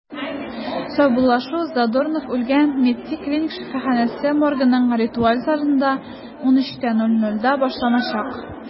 Саубуллашу Задорнов үлгән “МЕДСИ” клиник шифаханәсе моргының ритуаль залында 13:00 (мск) башланачак.